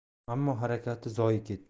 ammo harakati zoyi ketdi